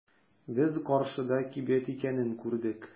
Без каршыда кибет икәнен күрдек.